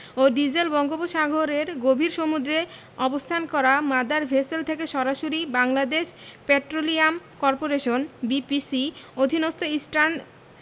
ও diesel বঙ্গোপসাগরের গভীর সমুদ্রে অবস্থান করা মাদার ভেসেল থেকে সরাসরি বাংলাদেশ পেট্রোলিয়াম করপোরেশনের বিপিসি অধীনস্থ ইস্টার্ন